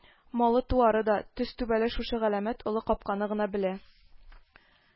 Малы-туары да төз түбәле шушы галәмәт олы капканы гына белә